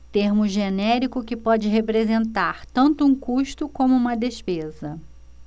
termo genérico que pode representar tanto um custo como uma despesa